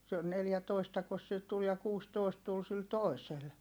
se neljätoistakos sillä tuli ja kuusitoista tuli sillä toisella